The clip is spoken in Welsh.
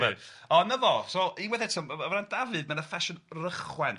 Ond 'na fo, so unwaith eto, o ran Dafydd, mae yna ffasiwn rychwant,